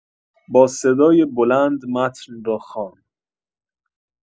با صدای بلند متن را خواند